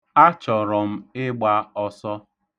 Achọrọ m ịgba ọsọ.